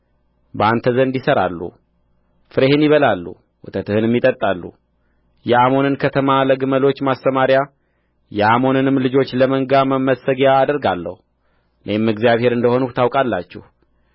በአንተ ዘንድ ይሠራሉ ፍሬህን ይበላሉ ወተትህንም ይጠጣሉ የአሞንን ከተማ ለግመሎች ማሰማርያ የአሞንንም ልጆች ለመንጋ መመሰጊያ አደርጋለሁ እኔም እግዚአብሔር እንደ ሆንሁ ታውቃላችሁ